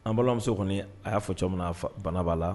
An balolɔmuso kɔni a y'a fɔ cogo min na bana'a la